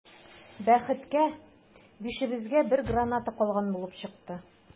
Бәхеткә, бишебезгә бер граната калган булып чыкты.